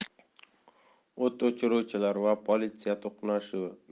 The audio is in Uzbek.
o't o'chiruvchilar va politsiya to'qnashuvi